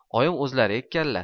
oyim o'zlari ekkanlar